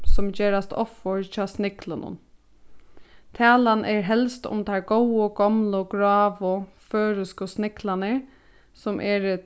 sum gerast offur hjá sniglunum talan er helst um teir góðu gomlu gráu føroysku sniglarnir sum eru